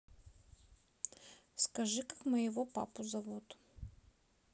скажи как моего папу зовут